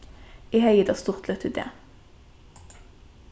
eg hevði tað stuttligt í dag